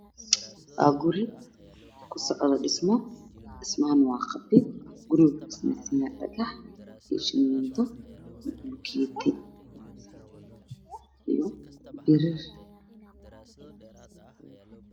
Guri ga dhismo ka socdo kalladkiisu yahay madow bulgate ayuu ka sameysan yahay guriga dhismaha ayaa ku socda